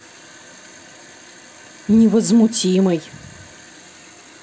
невозмутимый